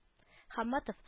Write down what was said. Хамматов